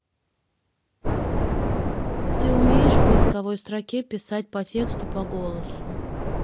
ты умеешь в поисковой строке писать по тексту по голосу